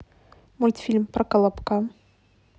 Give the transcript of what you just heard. мультфильм про колобка